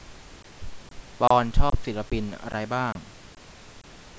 ปอนด์ชอบศิลปินอะไรบ้าง